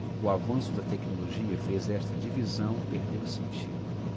o avanço da tecnologia fez esta divisão perder o sentido